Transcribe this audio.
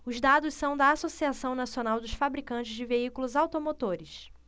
os dados são da anfavea associação nacional dos fabricantes de veículos automotores